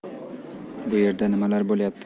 bu yerda nimalar bo'layapti